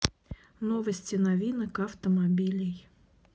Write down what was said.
новости новинок автомобилей